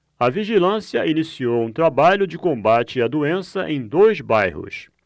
a vigilância iniciou um trabalho de combate à doença em dois bairros